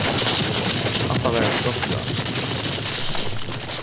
hatta var eitt gott ráð